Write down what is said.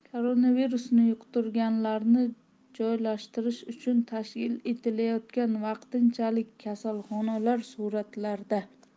koronavirusni yuqtirganlarni joylashtirish uchun tashkil etilayotgan vaqtinchalik kasalxonalar suratlarda